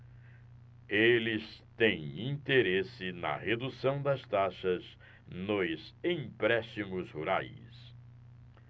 eles têm interesse na redução das taxas nos empréstimos rurais